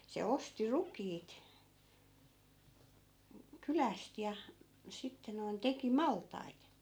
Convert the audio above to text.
se osti rukiit kylästä ja sitten noin teki maltaita